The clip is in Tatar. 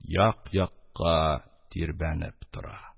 Як-якка тирбәнеп тора.